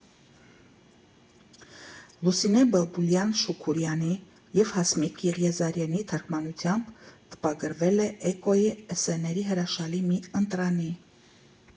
Լուսինե Բլբուլյան֊Շուքուրյանի և Հասմիկ Եղիազարյանի թարգմանությամբ տպագրվել է Էկոյի էսսեների հրաշալի մի ընտրանի։